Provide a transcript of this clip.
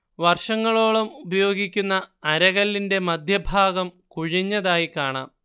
വർഷങ്ങളോളം ഉപയോഗിക്കുന്ന അരകല്ലിന്റെ മധ്യഭാഗം കുഴിഞ്ഞതായി കാണാം